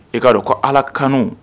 I'a dɔn ko ala kan